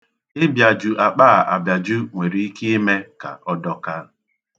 Ibiaju akpa a abiaju nwere ike ime ka ọ dọkaa.